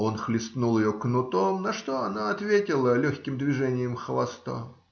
- Он хлестнул ее кнутом, на что она ответила легким движением хвоста.